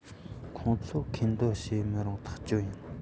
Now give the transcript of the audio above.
ཁོང ཚོར མཁོ འདོན བྱེད མི རུང ཐག ཆོད རེད